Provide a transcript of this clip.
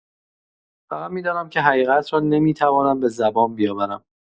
فقط می‌دانم که حقیقت را نمی‌توانم به زبان بیاورم.